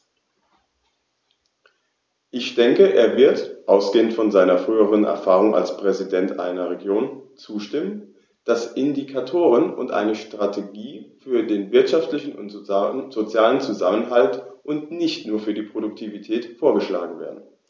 Ich denke, er wird, ausgehend von seiner früheren Erfahrung als Präsident einer Region, zustimmen, dass Indikatoren und eine Strategie für den wirtschaftlichen und sozialen Zusammenhalt und nicht nur für die Produktivität vorgeschlagen werden.